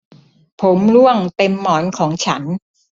ผมร่วงเต็มหมอนของฉัน